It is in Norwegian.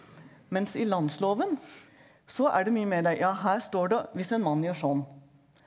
mens i landsloven så er det mye mer den ja her står det hvis en mann gjør sånn.